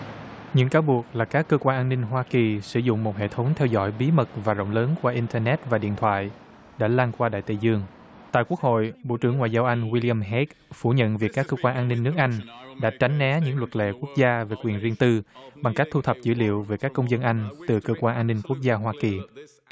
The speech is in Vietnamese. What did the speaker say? những cáo buộc là các cơ quan an ninh hoa kỳ sử dụng một hệ thống theo dõi bí mật và rộng lớn qua in tơ nét và điện thoại đã lan qua đại tây dương tại quốc hội bộ trưởng ngoại giao anh guy li am hét phủ nhận việc các cơ quan an ninh nước anh đã tránh né những luật lệ quốc gia về quyền riêng tư bằng cách thu thập dữ liệu về các công dân anh từ cơ quan an ninh quốc gia hoa kỳ